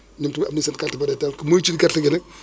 ñoom tamit am nañ seen carte variétale muy ci gerte gi la